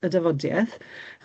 y dyfodieth.